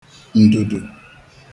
ndùdù